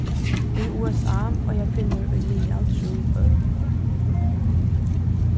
í usa eiga kvinnur í miðal trý børn